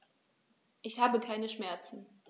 Ich habe keine Schmerzen.